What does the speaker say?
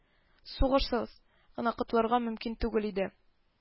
Сугышсыз гына котылырга мөмкин түгел иде